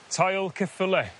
Tail ceffyle